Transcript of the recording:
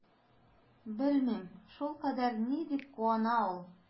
Белмим, шулкадәр ни дип куана ул?